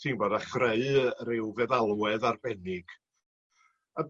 Ti'n gwbod â chreu ryw feddalwedd arbennig a